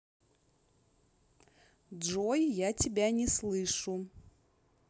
джой я тебя не слышу